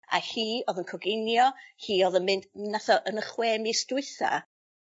A hi o'dd yn coginio hi o'dd yn mynd... Nath o yn chwe mis dwytha